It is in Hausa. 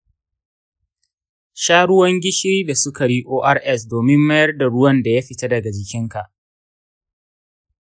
sha ruwan gishiri da sukari ors domin mayar da ruwan da ya fita daga jikinka.